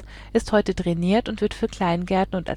drainiert und wird für Kleingärten